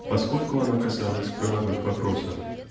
поскольку оно касалось правовых вопросов.